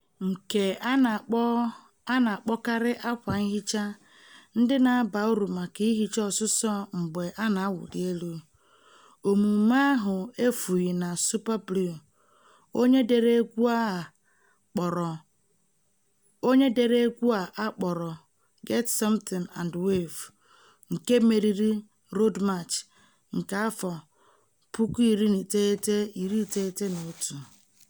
Nke a na-akpọkarị "akwa nhicha", ndị a na-aba uru maka ihicha ọsụsọ mgbe "a na-awụli elu". Omume ahụ efughị na Super Blue, onye dere egwu a kpọrọ "Get Something and Wave", nke meriri Road March nke 1991.